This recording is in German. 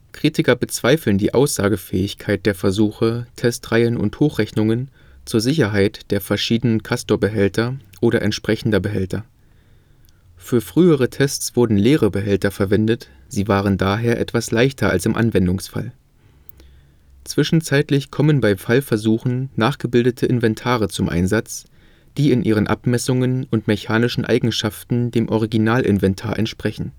Kritiker bezweifeln die Aussagefähigkeit der Versuche, Testreihen und Hochrechnungen zur Sicherheit der verschiedenen Castor-Behälter oder entsprechender Behälter. Für frühere Tests wurden leere Behälter verwendet, sie waren daher etwas leichter als im Anwendungsfall. Zwischenzeitlich kommen bei Fallversuchen nachgebildete Inventare zum Einsatz, die in ihren Abmessungen und mechanischen Eigenschaften dem Original-Inventar entsprechen